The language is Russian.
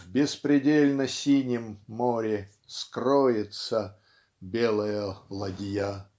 В беспредельно синем море скроется Белая ладья.